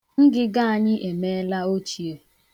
Ngịga anyị emela ochie.